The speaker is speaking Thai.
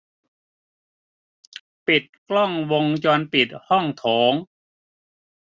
ปิดกล้องวงจรปิดห้องโถง